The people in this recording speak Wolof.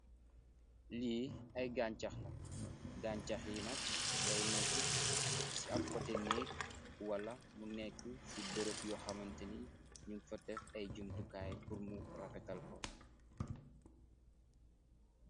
lii ay gaancax la gaancax yi nak day nekk ci ab kote nékk wala mu nekk ci bërëb yu xamante ni nu fotef ay jumtukaay furmu rafetal ko